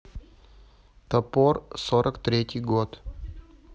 топор сорок третий год